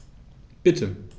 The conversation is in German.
Bitte.